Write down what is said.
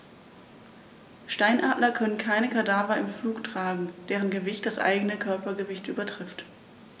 Steinadler können keine Kadaver im Flug tragen, deren Gewicht das eigene Körpergewicht übertrifft.